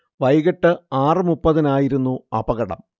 വൈകിട്ട് ആറ് മുപ്പതിനായിരുന്നു അപകടം